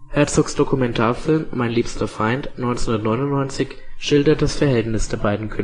Herzogs Dokumentarfilm „ Mein liebster Feind “(1999) schildert das Verhältnis der beiden